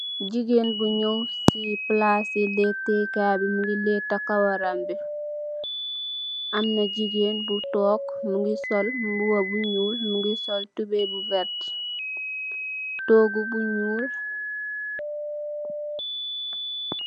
Jigeen bu ñaw si palasi lèttu Kay bi mugii lètta kawaram bi . Am na jigeen bu tóóg mugii sol mbuba bu ñuul mugii sol tubay bu werta, tohgu bu ñuul.